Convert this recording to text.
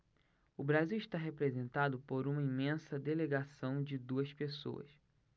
o brasil está representado por uma imensa delegação de duas pessoas